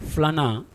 2 nan.